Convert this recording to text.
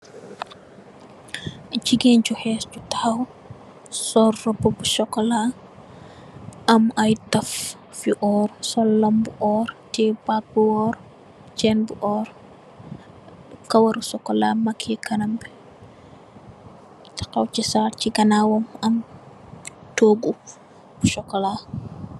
Jigéen ju hees ju tahaw sol robbu bu sokola, am ay taff yu orr, sol lam bu orr tè bag bu orr, chenn bu orr, kawar bu sokola, makèyi kanam bi. Tahaw chi saal chi ganaawam am toogu bu sokola.